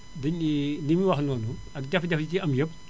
dañu ne li mu wax noonu ak jafe-jafe yi ciy am yëpp